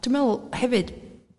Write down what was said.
dwi me'l hefyd